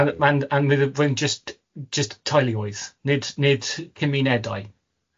Mae'n yn jyst jyst teuluoedd, nid nid cymunedau.